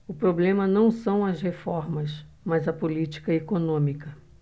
o problema não são as reformas mas a política econômica